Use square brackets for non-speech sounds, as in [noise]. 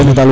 [hesitation] [hesitation]